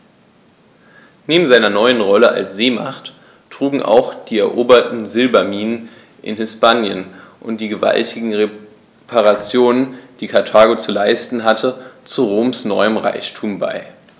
Neben seiner neuen Rolle als Seemacht trugen auch die eroberten Silberminen in Hispanien und die gewaltigen Reparationen, die Karthago zu leisten hatte, zu Roms neuem Reichtum bei.